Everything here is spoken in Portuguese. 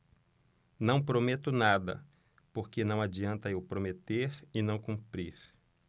não prometo nada porque não adianta eu prometer e não cumprir